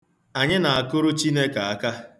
kụ akā